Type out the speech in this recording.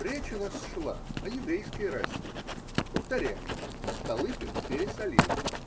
Речь у нас шла о еврейской расе. Повторяю. Столыпин пересолил.